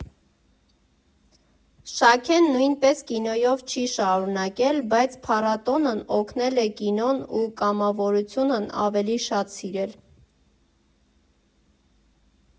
Շաքեն նույնպես կինոյով չի շարունակել, բայց փառատոնն օգնել է կինոն ու կամավորությունն ավելի շատ սիրել։